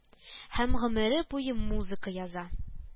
Һәм гомере буе музыка яза